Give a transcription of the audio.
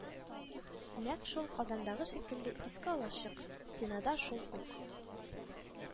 Нәкъ шул Казандагы шикелле иске алачык, стенада шул ук